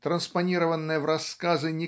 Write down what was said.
транспонированная в рассказы